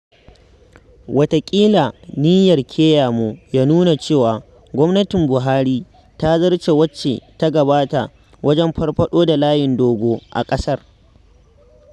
Wataƙila niyyar Keyamo ya nuna cewa gwamnatin Buhari ta zarce wacce ta gabata wajen farfaɗo da layin dogo a ƙasar.